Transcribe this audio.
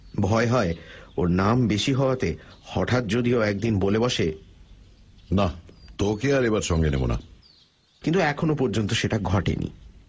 ভয় হয় ওর নাম বেশি হওয়াতে হঠাৎ যদি ও একদিন বলে বসে নাঃ তোকে আর এবার সঙ্গে নেব না কিন্তু এখন পর্যন্ত সেটা ঘটেনি